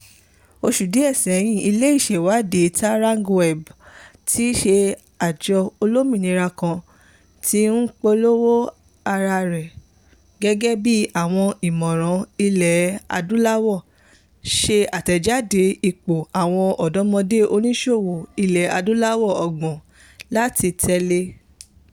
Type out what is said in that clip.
Oṣù díẹ̀ sẹ́yìn, ilé iṣẹ́ ìwádìí Terangaweb, tíí ṣe àjọ olómìnira kan tí ó ń polówó ara rẹ̀ gẹ́gẹ́ bíi "Àwọn Ìmọ̀ràn Ilẹ̀ Adúláwò", ṣe àtẹ̀jáde ipò àwọn ọ̀dọ́mọdẹ́ oníṣòwò Ilẹ̀ Adúláwò 30 láti tẹ́lẹ̀.